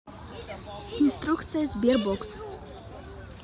инструкция sberbox